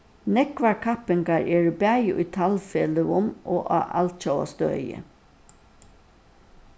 nógvar kappingar eru bæði í talvfeløgum og á altjóða støði